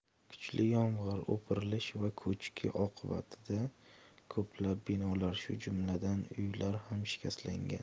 kuchli yomg'ir o'pirilish va ko'chki oqibatida ko'plab binolar shu jumladan uylar ham shikastlangan